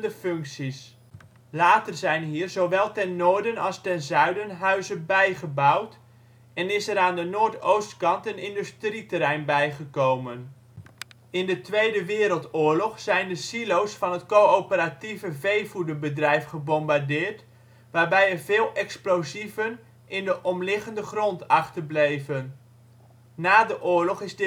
functies. Later zijn hier zowel ten noorden als ten zuiden huizen bijgebouwd en is er aan de noordoostkant een industrieterrein bijgekomen. In de Tweede Wereldoorlog zijn de silo 's van het coöperatieve veevoederbedrijf gebombardeerd, waarbij er veel explosieven in de omliggende grond achterbleven. Na de oorlog is